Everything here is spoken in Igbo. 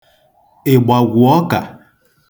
ị̀gbàgwụ ọkà